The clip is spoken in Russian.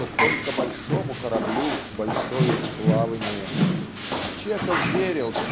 что только большому кораблю большое и плавание. Чехов верил